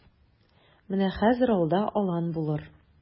Менә хәзер алда алан булыр.